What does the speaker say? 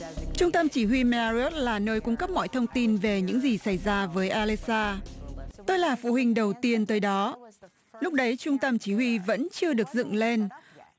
trung tâm chỉ huy me ri ớt là nơi cung cấp mọi thông tin về những gì xảy ra với a lê xa tôi là phụ huynh đầu tiên tới đó lúc đấy trung tâm chỉ huy vẫn chưa được dựng lên